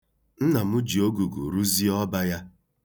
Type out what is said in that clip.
Nna m ji ogugu rụzie ọba ya.